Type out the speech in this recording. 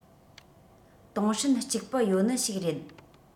ཏུང ཧྲན གཅིག པུ ཡོད ནི ཞིག རེད